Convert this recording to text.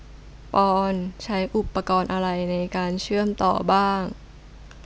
ปอนด์ใช้อุปกรณ์อะไรในการเชื่อมต่อบ้าง